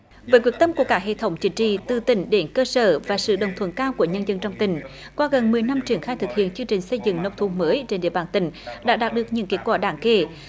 với quyết tâm của cả hệ thống chính trị từ tỉnh đến cơ sở và sự đồng thuận cao của nhân dân trong tỉnh qua gần mười năm triển khai thực hiện chương trình xây dựng nông thôn mới trên địa bàn tỉnh đã đạt được những kết quả đáng kể